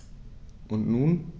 Und nun?